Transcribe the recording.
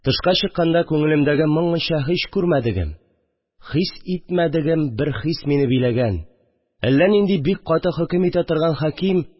Тышка чыкканда, күңелемдәге моңынча һич күрмәдегем, хис итмәдегем бер хис мине биләгән, әллә нинди бик каты хөкем итә торган хаким